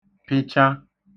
pịcha